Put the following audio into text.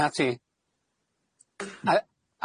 'Na ti.